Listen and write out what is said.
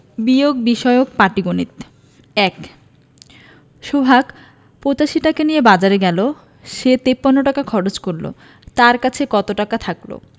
বিয়োগ বিষয়ক পাটিগনিতঃ ১ সোহাগ ৮৫ টাকা নিয়ে বাজারে গেল সে ৫৩ টাকা খরচ করল তার কাছে কত টাকা থাকল